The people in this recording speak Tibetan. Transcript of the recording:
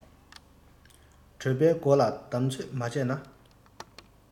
གྲོད པའི སྒོ ལ བསྡམ ཚོད མ བྱས ན